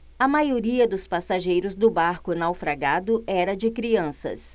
a maioria dos passageiros do barco naufragado era de crianças